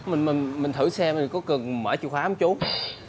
mình mình mình thử xe mình có cần mở chìa khóa không chú